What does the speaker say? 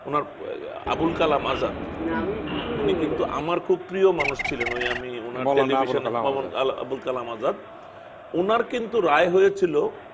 উনার আবুল কালাম আজাদ উনি কিন্তু আমার খুব প্রিয় মানুষ ছিলেন ওই আমি মৌলানা আবুল কালাম আজাদ আমিও টেলিভিশনে মৌলানা আবুল কালাম আজাদ উনার কিন্তু রায় হয়েছিল